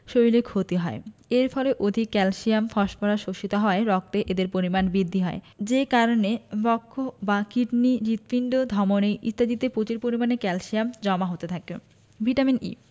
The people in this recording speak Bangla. শরীরের ক্ষতি হয় এর ফলে অধিক ক্যালসিয়াম ও ফসফরাস শোষিত হওয়ায় রক্তে এদের পরিমাণ বৃদ্ধি পায় যে কারণে বৃক্ক বা কিডনি হৃৎপিণ্ড ধমনি ইত্যাদিতে প্রচুর পরিমাণে ক্যালসিয়াম জমা হতে থাকে ভিটামিন ই